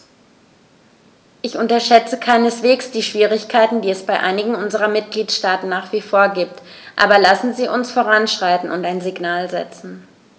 Ich unterschätze keineswegs die Schwierigkeiten, die es bei einigen unserer Mitgliedstaaten nach wie vor gibt, aber lassen Sie uns voranschreiten und ein Signal setzen.